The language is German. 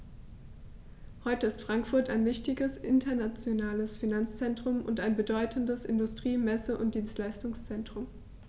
Heute ist Frankfurt ein wichtiges, internationales Finanzzentrum und ein bedeutendes Industrie-, Messe- und Dienstleistungszentrum.